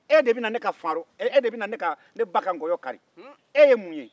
e de bɛ na ne ba ka nkɔyɔ kari e ye mun ye